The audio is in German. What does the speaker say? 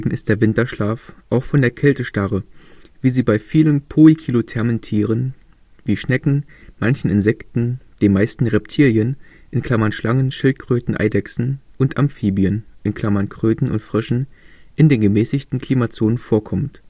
ist der Winterschlaf auch von der Kältestarre, wie sie bei vielen poikilothermen Tieren – Schnecken, manchen Insekten, den meisten Reptilien (Schlangen, Schildkröten, Eidechsen) und Amphibien (Kröten, Fröschen) – in den gemäßigten Klimazonen vorkommt